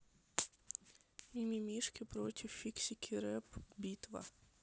мимимишки против фиксики рэп битва